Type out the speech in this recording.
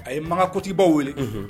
A ye magakotibaw wele